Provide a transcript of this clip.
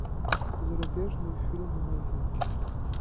зарубежные фильмы новинки